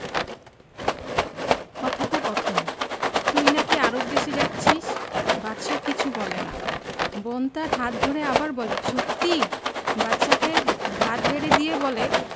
কথোপকথন তুই নাকি আরব দেশে যাচ্ছিস বাদশা কিছু বলে না বোন তার হাত ধরে আবার বলে সত্যি বাদশাকে ভাত বেড়ে দিয়ে বলে